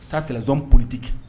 Ça c'est les hommes politiques